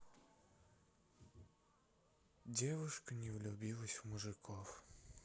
девушка не влюбилась в мужиков